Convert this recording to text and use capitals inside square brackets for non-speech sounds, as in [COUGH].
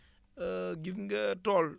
[HESITATION] gis nga tool